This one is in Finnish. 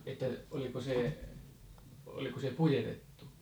että oliko se oliko se puetettu